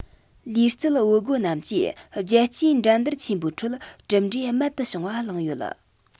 ལུས རྩལ བུ རྒོད རྣམས ཀྱིས རྒྱལ སྤྱིའི འགྲན བསྡུར ཆེན པོའི ཁྲོད གྲུབ འབྲས རྨད དུ བྱུང བ བླངས ཡོད